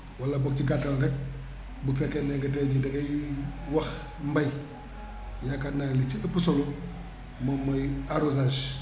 wala boog si gàttal rekk bu fekkee ne que tay jii da ngay wax mbay yaakaar naa li ci ëpp solo moom mooy arrosage